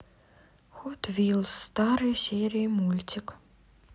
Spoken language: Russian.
хот вилс старые серии мультик